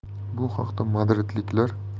bu haqida madridiklar